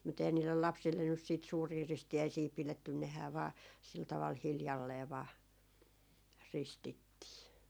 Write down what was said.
mutta eihän niille lapsille nyt sitten suuria ristiäisiä pidetty nehän vain sillä tavalla hiljalleen vain ristittiin